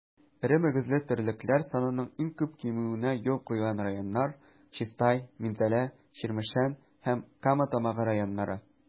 Эре мөгезле терлекләр санының иң күп кимүенә юл куйган районнар - Чистай, Минзәлә, Чирмешән һәм Кама Тамагы районнары.